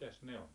mitäs ne on